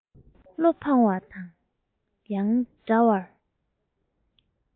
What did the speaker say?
བློ ཕངས བ དང ཡང འདྲ བར